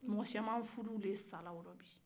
mɔgɔ caman ka furu bɛ sa o de la bi